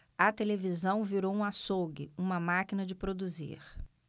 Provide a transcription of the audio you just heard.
a televisão virou um açougue uma máquina de produzir